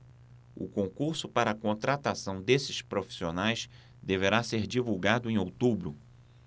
o concurso para contratação desses profissionais deverá ser divulgado em outubro